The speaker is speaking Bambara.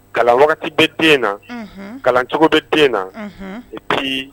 Kalan wagati bɛ den na kalancogo bɛ den na i tɛ